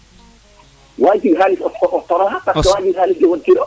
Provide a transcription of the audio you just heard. waɗ kiro xalis toxoxa parce